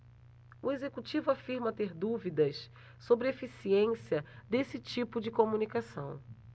o executivo afirma ter dúvidas sobre a eficiência desse tipo de comunicação